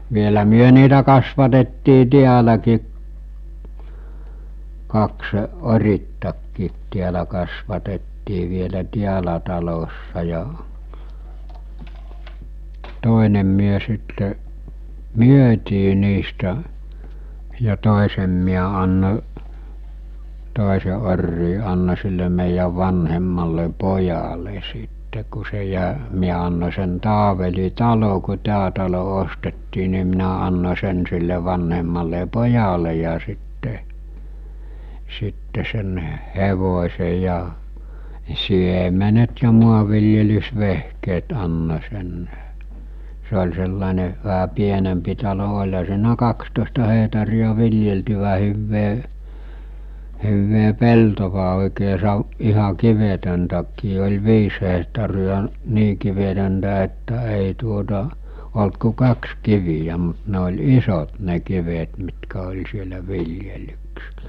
vielä me niitä kasvatettiin täälläkin kaksi oriitakin täällä kasvatettiin vielä täällä talossa ja toinen me sitten myytiin niistä ja toisen minä annoin toisen oriin annoin sille meidän vanhemmalle pojalle sitten kun se - minä annoin sen Taaveli talo kun tämä talo ostettiin niin minä annoin sen sille vanhemmalle pojalle ja sitten sitten sen hevosen ja siemenet ja maanviljelysvehkeet annoin sen se oli sellainen vähän pienempi talo olihan siinä kaksitoista hehtaaria viljeltyä hyvää hyvää peltoa oikein - ihan kivetöntäkin oli viisi hehtaaria niin kivetöntä että ei tuota ollut kuin kaksi kiveä mutta ne oli isot ne kivet mitkä oli siellä viljelyksillä